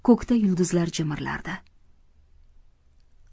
ko'kda yulduzlar jimirlardi